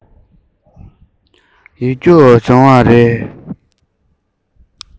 ཡིག རྒྱུགས སྦྱོང བ རེད